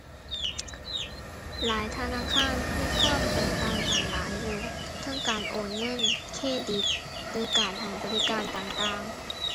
หลายธนาคารมีความแตกต่างกันหลายอยู่ เทิงการโอนเงิน เครดิต หรือการให้บริการต่างต่าง